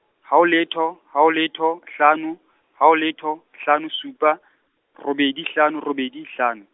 haho letho, haho letho, hlano, haho letho, hlano, supa, robedi, hlano, robedi, hlano.